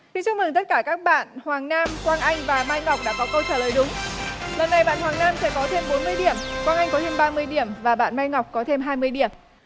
xin chúc mừng tất cả các bạn hoàng nam quang anh và mai ngọc đã có câu trả lời đúng lần này bạn hoàng nam sẽ có thêm bốn mươi điểm quang anh có thêm ba mươi điểm và bạn mai ngọc có thêm hai mươi điểm